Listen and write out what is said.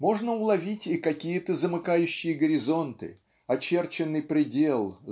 можно уловить и какие-то замыкающие горизонты очерченный предел